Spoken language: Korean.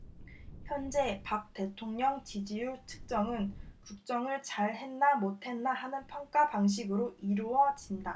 현재 박 대통령 지지율 측정은 국정을 잘했나 못했나 하는 평가 방식으로 이루어진다